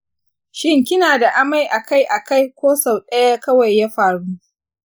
shin kina da amai a kai a kai, ko sau ɗaya kawai ya faru